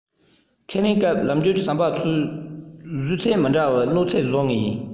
ཁས ལེན སྐབས ལམ རྒྱུད ཀྱི ཟམ པ བཟོས ཚད མི འདྲ བའི གནོད འཚེ བཟོ ངེས ཡིན